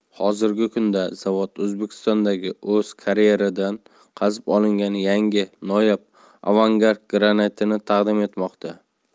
hozirgi kunda zavod o'zbekistondagi o'z karyeridan qazib olingan yangi noyob avangard granitini taqdim etmoqda